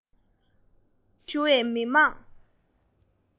གུས བཀུར ཡིད རང ཞུ བའི མི དམངས